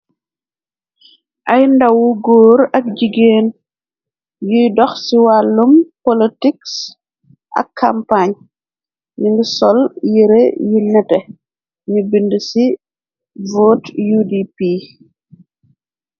Ay ndaw góor ak jigéen yiy doh ci wàllum polotiks ak campaañ nungi sol yére yi nete ñu bind ci vote udp.